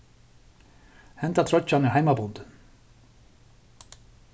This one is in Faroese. henda troyggjan er heimabundin